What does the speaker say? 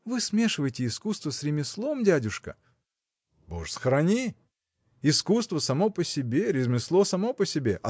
– Вы смешиваете искусство с ремеслом, дядюшка. – Боже сохрани! Искусство само по себе ремесло само по себе